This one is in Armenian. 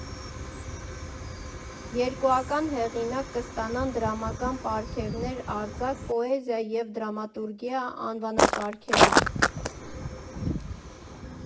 Երկուական հեղինակ կստանան դրամական պարգևներ արձակ, պոեզիա և դրամատուրգիա անվանակարգերում։